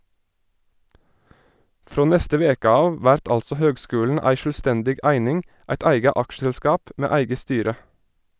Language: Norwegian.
Frå neste veke av vert altså høgskulen ei sjølvstendig eining, eit eige aksjeselskap med eige styre.